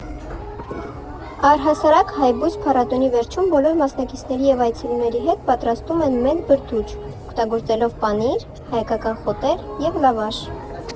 Առհասարակ Հայբույս փառատոնի վերջում բոլոր մասնակիցների և այցելուների հետ պատրաստում են մեծ բրդուճ՝ օգտագործելով պանիր, հայկական խոտեր և լավաշ։